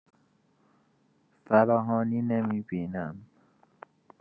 فراهانی نمی‌بینم